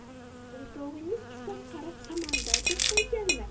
o'rtog'ingiz kitob qarab samandar deb qo'yganlar